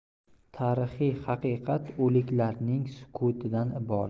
tarixiy haqiqat o'liklarning sukutidan iborat